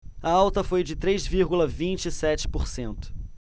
a alta foi de três vírgula vinte e sete por cento